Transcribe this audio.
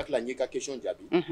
N hakijli y'i ka question jaabi.